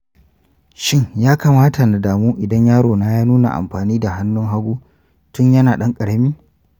shin ya kamata na damu idan yarona ya nuna amfani da hannun hagu tun yana ɗan ƙarami?